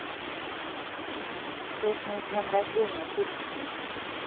песня с днем рождения фиксики